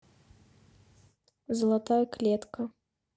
золотая клетка